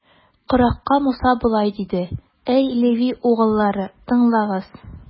Корахка Муса болай диде: Әй Леви угыллары, тыңлагыз!